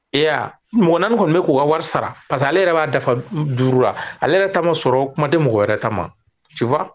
Ayiwa mani kɔni bɛ k'u ka wari sara pa que ale yɛrɛ b'a dafa duuru la ale yɛrɛ taama sɔrɔ kuma di mɔgɔ wɛrɛ taama sufa